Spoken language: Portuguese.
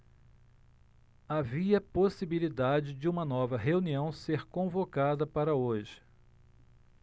havia possibilidade de uma nova reunião ser convocada para hoje